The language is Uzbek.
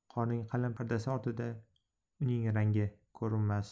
qorning qalin pardasi ortida uning rangi ko'rinmas